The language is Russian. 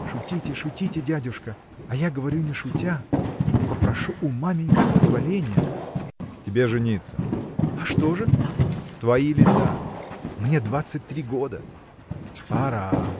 – Шутите, шутите, дядюшка, а я говорю не шутя. Попрошу у маменьки позволения. – Тебе жениться! – А что же? – В твои лета! – Мне двадцать три года. – Пора!